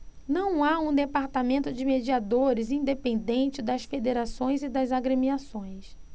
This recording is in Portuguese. não há um departamento de mediadores independente das federações e das agremiações